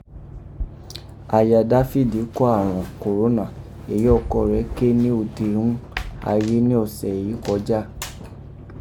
Aya Dáfídì kó àrọ̀n kòrónà èyí ọkọ rẹ ké ní ode ghún aye ni ọsẹ èyí kọja.